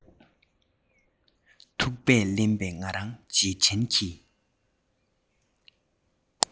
ཐུག པས བརླན པའི ང རང རྗེས དྲན གྱི